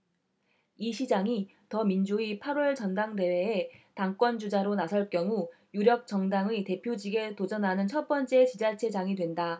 이 시장이 더민주의 팔 월 전당대회에 당권 주자로 나설 경우 유력 정당의 대표직에 도전하는 첫번째 지자체장이 된다